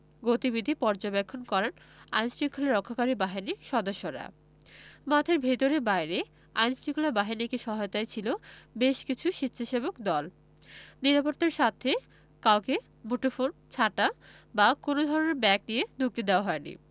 গতিবিধি পর্যবেক্ষণ করেন আইনশৃঙ্খলা রক্ষাকারী বাহিনীর সদস্যরা মাঠের ভেতরে বাইরে আইনশৃঙ্খলা বাহিনীকে সহায়তায় ছিল বেশ কিছু স্বেচ্ছাসেবক দল নিরাপত্তার স্বার্থে কাউকে মুঠোফোন ছাতা বা কোনো ধরনের ব্যাগ নিয়ে ঢুকতে দেওয়া হয়নি